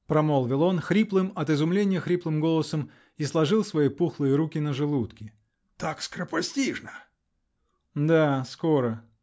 -- промолвил он хриплым, от изумления хриплым, голосом и сложил свои пухлые руки на желудке. -- Так скоропостижно? -- Да. скоро.